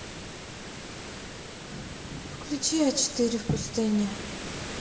включи а четыре в пустыне